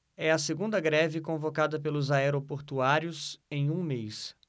é a segunda greve convocada pelos aeroportuários em um mês